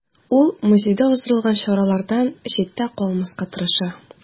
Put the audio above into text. Ул музейда уздырылган чаралардан читтә калмаска тырыша.